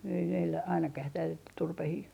ei meillä ainakaan ei täällä turpeita